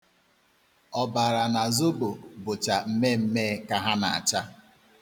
Ọbara na zobo bụcha mmeemmee ka ha na-acha.